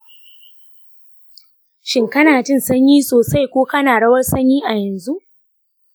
shin kana jin sanyi sosai ko kana rawar sanyi a yanzu?